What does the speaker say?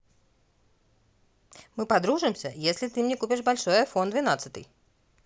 мы подружимся если ты мне купишь большой айфон двенадцатый